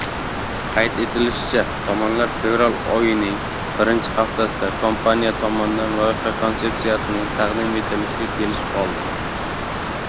qayd etilishicha tomonlar fevral oyining birinchi haftasida kompaniya tomonidan loyiha konsepsiyasining taqdim etilishga kelishib oldi